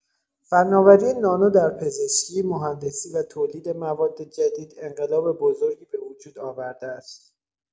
فناوری نانو در پزشکی، مهندسی و تولید مواد جدید، انقلاب بزرگی به وجود آورده است.